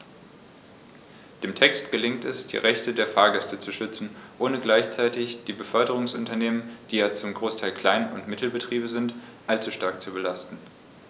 Dem Text gelingt es, die Rechte der Fahrgäste zu schützen, ohne gleichzeitig die Beförderungsunternehmen - die ja zum Großteil Klein- und Mittelbetriebe sind - allzu stark zu belasten.